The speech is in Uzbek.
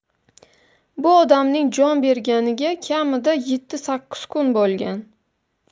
bu odamning jon berganiga kamida yetti sakkiz kun bo'lgan